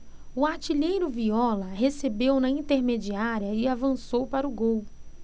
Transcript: o artilheiro viola recebeu na intermediária e avançou para o gol